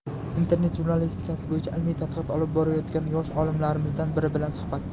internet jurnalistikasi bo'yicha ilmiy tadqiqot olib borayotgan yosh olimlarimizdan biri bilan suhbat